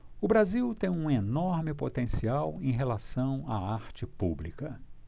o brasil tem um enorme potencial em relação à arte pública